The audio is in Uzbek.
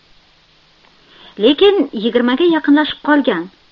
lekin yigirmaga yaqinlashib qolgan